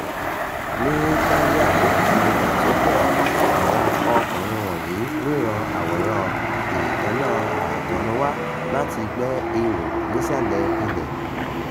Ní Kenya àti Ethiopia, àwọn ọkùnrin wọ̀nyí ríran àwòrán-ìtọ́nà' àt'ọ̀run wá láti gbẹ́ ihò nísàlẹ̀ ilẹ̀